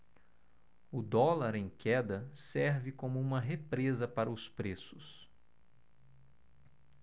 o dólar em queda serve como uma represa para os preços